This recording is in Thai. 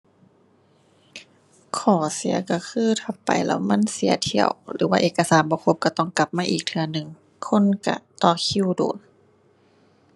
ข้อเสียก็คือถ้าไปแล้วมันเสียเที่ยวหรือว่าเอกสารบ่ครบ ก็ต้องกลับมาอีกเทื่อหนึ่ง คนก็ต่อคิวโดน